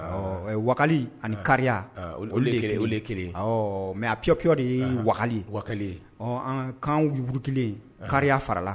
Ɔ wagali ani kariya ou de ye kelen ye, aw, ɔ mais a piyɔpiy de ye wakali ye, wakali, ɔ an kanw wurukilen kelen kariya fara la a kan.